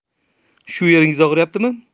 shu yeringiz og'riyaptimi